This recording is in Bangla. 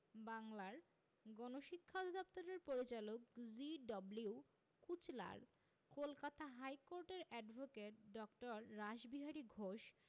বাংলার গণশিক্ষা অধিদপ্তরের পরিচালক জি.ডব্লিউ কুচলার কলকাতা হাইকোর্টের অ্যাডভোকেট ড. রাসবিহারী ঘোষ